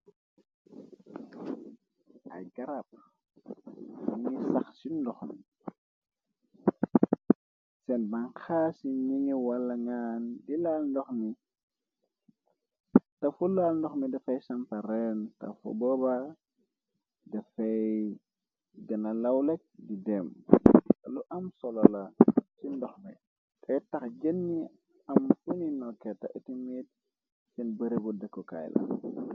Ay garab yni sax ci ndoxseen banxaa ci ñi ngi wàla ngaan dafulaal ndox mi dafay sampareene tafu boobar defay gëna lawlekk di dem lu am solo la ci ndoxmi te tax jën ñi am uni nokketa itimit seen baribu dekkukaay la.